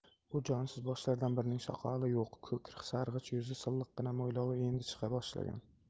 bu jonsiz boshlardan birining soqoli yo'q ko'k sarg'ish yuzi silliqqina mo'ylovi endi chiqa boshlagan